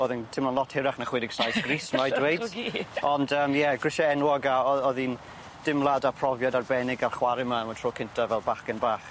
o'dd yn timlo'n lot hirach na chwe deg saith gris ma' rai' dweud... ...ond yym ie grisie enwog a o- o'dd 'i'n dimlad a profiad arbennig ar chware yma am y tro cynta fel bachgen bach.